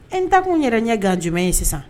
N takun yɛrɛ ɲɛ ga jumɛn ye sisan